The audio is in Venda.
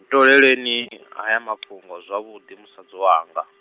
ntooleleni, haya mafhungo zwavhuḓi, musadzi wanga.